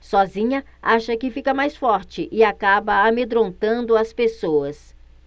sozinha acha que fica mais forte e acaba amedrontando as pessoas